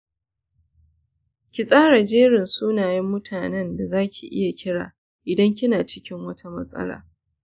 ki tsara jerin sunayen mutanen da za ki iya kira idan kina cikin wata matsala.